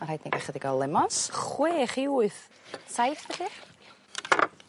Ma' rhaid ni ga'l chydig o lemons. Chwech i wyth. Saith felly?